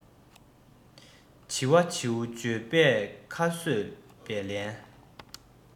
བྱི བ བྱིའུ འཇོལ པད ཁ ཟོས པས ལན